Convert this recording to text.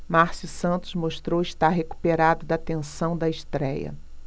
márcio santos mostrou estar recuperado da tensão da estréia